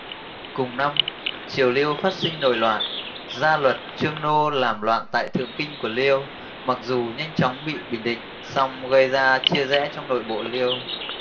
cùng năm triều liêu phát sinh nội loạn da luật chương nô làm loạn tại thượng kinh của liêu mặc dù nhanh chóng bị bình định song gây ra chia rẽ trong nội bộ liêu